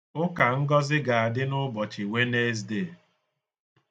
Ụka ngọzị ga-adị n'ụbọchị Wenezde.